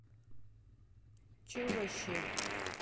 че ваще